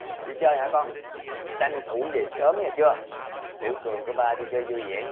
đi chơi hả con tranh thủ về sớm nghe chưa tiểu cường của ba đi chơi vui